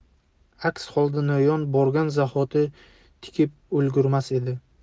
aks holda no'yon borgan zahoti tikib ulgurmas edi